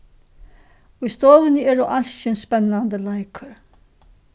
í stovuni eru alskyns spennandi leikur